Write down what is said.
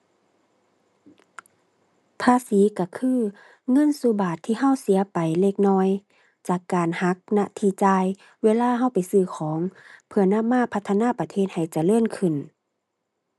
ภาษีก็คือเงินซุบาทที่ก็เสียไปเล็กน้อย จากการหัก ณ ที่จ่าย เวลาก็ไปซื้อของ เพื่อนำมาพัฒนาประเทศให้เจริญขึ้น